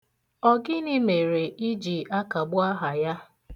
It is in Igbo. Ọ gịnị mere i ji akagbu aha ya?